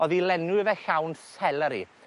o'dd i lenwi fe llawn seleri.